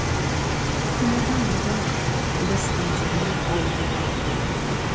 kunlardan birida biz stansiyadan ovulga qaytib kelayotgan edik